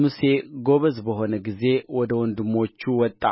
ሙሴ ጎበዝ በሆነ ጊዜ ወደ ወንድሞቹ ወጣ